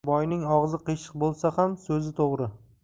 boyning og'zi qiyshiq bo'lsa ham so'zi to'g'ri